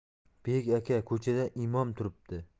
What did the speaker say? bek aka ko'chada imom turibdi